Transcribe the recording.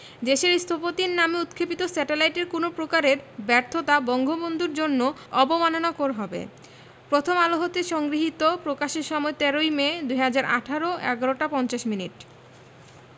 দেশের স্থপতির নামে উৎক্ষেপিত স্যাটেলাইটের কোনো প্রকারের ব্যর্থতা বঙ্গবন্ধুর জন্য অবমাননাকর হবে প্রথম আলো হতে সংগৃহীত প্রকাশের সময় ১৩ মে ২০১৮ ১১ টা ৫০ মিনিট